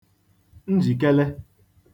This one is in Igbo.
njìkele